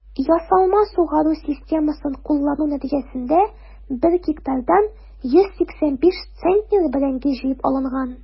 Ясалма сугару системасын куллану нәтиҗәсендә 1 гектардан 185 центнер бәрәңге җыеп алынган.